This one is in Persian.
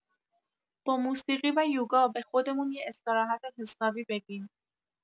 با موسیقی و یوگا به خودمون یه استراحت حسابی بدیم؟